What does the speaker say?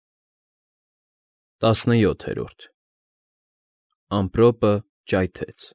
ՏԱՍՆՅՈԹԵՐՈՐԴ ԱՄՊՐՈՊԸ ՃԱՅԹԵՑ։